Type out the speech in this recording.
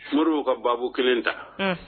Mori y'u ka baa kelen ta